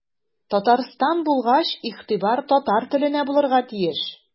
Татарстан булгач игътибар татар теленә булырга тиеш.